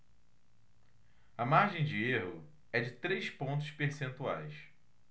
a margem de erro é de três pontos percentuais